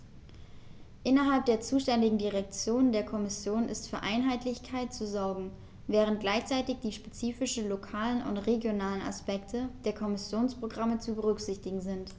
Innerhalb der zuständigen Direktion der Kommission ist für Einheitlichkeit zu sorgen, während gleichzeitig die spezifischen lokalen und regionalen Aspekte der Kommissionsprogramme zu berücksichtigen sind.